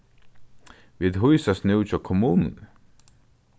vit hýsast nú hjá kommununi